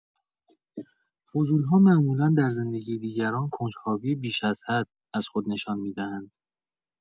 فضول‌ها معمولا در زندگی دیگران کنجکاوی بیش از حد از خود نشان می‌دهند.